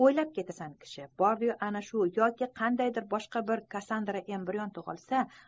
o'ylab ketasan kishi bordi yu ana shu yoki qandaydir boshqa bir kassandra embrion tug'ilsa